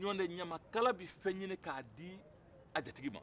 n'o tɛ ɲamakala bɛ fɛn ɲini k'a d'a jatigi ma